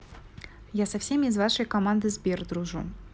я со всеми из вашей команды сбер дружу